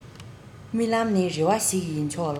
རྨི ལམ ནི རེ བ ཞིག ཡིན ཆོག ལ